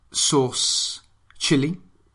sauce chili.